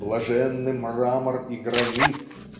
Блаженны мрамор и гранит.